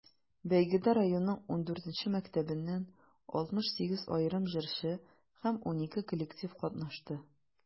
Бәйгедә районның 14 мәктәбеннән 68 аерым җырчы һәм 12 коллектив катнашты.